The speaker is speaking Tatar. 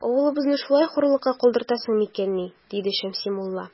Авылыбызны шулай хурлыкка калдыртасың микәнни? - диде Шәмси мулла.